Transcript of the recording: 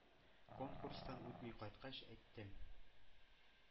Конкурстан үтми кайткач, әйттем: